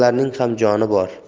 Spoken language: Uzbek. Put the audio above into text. ham joni bor